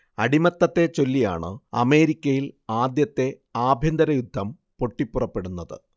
അടിമത്തത്തെച്ചൊല്ലിയാണ് അമേരിക്കയിൽ ആദ്യത്തെ ആഭ്യന്തര യുദ്ധം പൊട്ടിപ്പുറപ്പെടുന്നത്